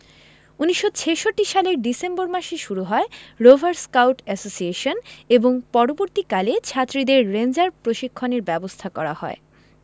১৯৬৬ সালের ডিসেম্বর মাসে শুরু হয় রোভার স্কাউট অ্যাসোসিয়েশন এবং পরবর্তীকালে ছাত্রীদের রেঞ্জার প্রশিক্ষণের ব্যবস্থা করা হয়